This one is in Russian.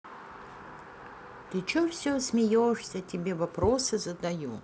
ты че все смеешься тебе вопросы задаю